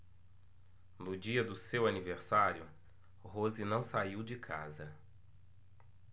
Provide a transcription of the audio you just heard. no dia de seu aniversário rose não saiu de casa